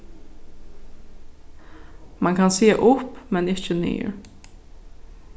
mann kann siga upp men ikki niður